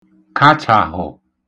k̇achàhụ̀